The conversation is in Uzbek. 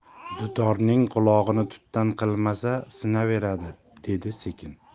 dutorning qulog'ini tutdan qilmasa sinaveradi dedi sekin